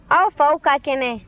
aw faw ka kɛnɛ